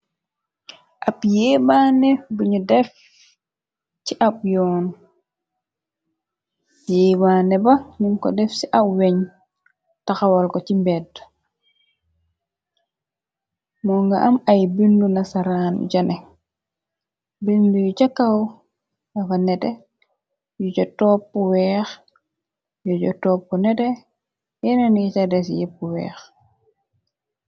Ab yeebaane buñu def ci ab yoon yi wanne ba num ko def ci ab weñ taxawal ko ci mbedd moo nga am ay bindu na saraan jane bindu yu cakaw afa nete yu jo topp weex yu jo topp nete yeneen yita des yepp weex.